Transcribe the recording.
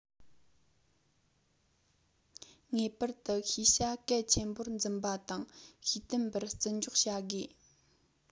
ངེས པར དུ ཤེས བྱ གལ ཆེན པོར འཛིན པ དང ཤེས ལྡན པར བརྩི འཇོག བྱ དགོས